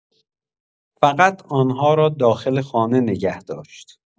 فقط آنها را داخل خانه نگه داشت.